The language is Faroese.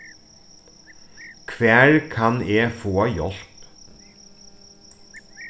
hvar kann eg fáa hjálp